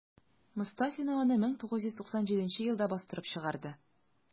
Мостафина аны 1997 елда бастырып чыгарды.